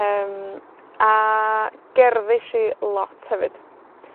yym, a gerddish i lot hefyd.